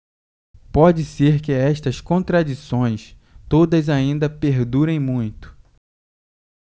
pode ser que estas contradições todas ainda perdurem muito